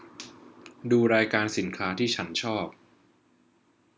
ดูรายการสินค้าที่ฉันชอบ